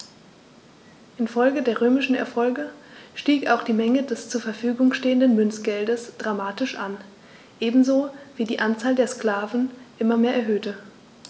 Infolge der römischen Erfolge stieg auch die Menge des zur Verfügung stehenden Münzgeldes dramatisch an, ebenso wie sich die Anzahl der Sklaven immer mehr erhöhte.